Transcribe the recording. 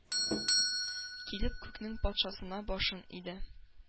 Килеп күкнең патшасына башын иде,